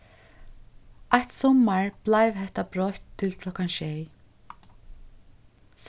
eitt summar bleiv hetta broytt til klokkan sjey